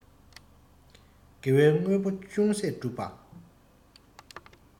དགེ བའི དངོས པོ ཅུང ཟད སྒྲུབ པ